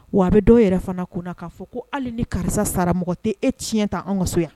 Wa a bɛ dɔw yɛrɛ fana kunna na k'a fɔ ko hali ni karisa sara mɔgɔ tɛ e tiɲɛ ta an ka so yan